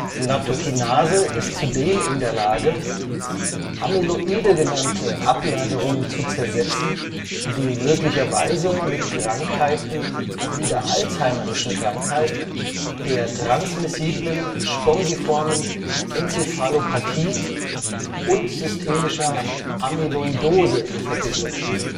Nattokinase ist zudem in der Lage, Amyloide genannte Ablagerungen zu zersetzen, die möglicherweise mit Krankheiten wie der Alzheimerschen Krankheit, der Transmissiblen spongiformen Enzephalopathie und systemischer Amyloidose in Verbindung stehen